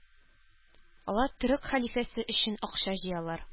Алар төрек хәлифәсе өчен акча җыялар